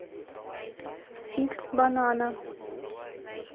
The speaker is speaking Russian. фикс банана